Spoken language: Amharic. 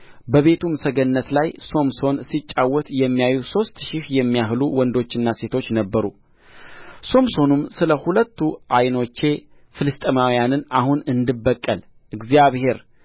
በቤቱም ሰገነት ላይ ሶምሶን ሲጫወት የሚያዩ ሦስት ሺህ የሚያህሉ ወንዶችና ሴቶች ነበሩ ሶምሶንም ስለ ሁለቱ ዓይኖቼ ፍልስጥኤማውያንን አሁን እንድበቀል እግዚአብሔር